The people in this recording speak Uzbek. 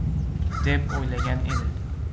deb uylagan edi